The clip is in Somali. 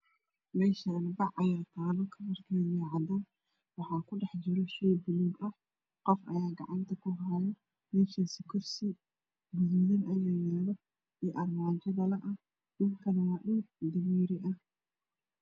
Meeshaan bac ayaa taalo kalarkeedu waa cadaan waxaa kudhex jiro shay buluug ah qof ayaa gacanta kuhaayo. Meeshaas kursi gaduudan iyo armaajo dhalo ah ayaa yaalo dhulkana waa dameeri.